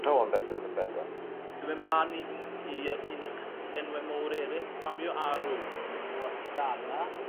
O yn bendant yn bendant. So myn' mlan i F- i yy un o'r cys- enwe mowr eryll Fabio Aru o Astana.